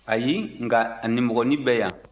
ayi nka a nimɔgɔnin bɛ yan